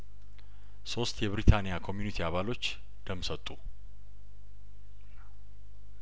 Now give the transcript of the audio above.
ሶስት የብሪታንያ ኮሚዩኒቲ አባሎች ደም ሰጡ